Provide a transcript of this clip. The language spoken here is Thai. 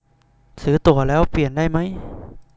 ซื้อตั๋วแล้วเปลี่ยนได้มั้ย